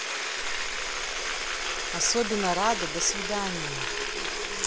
особенно рада до свидания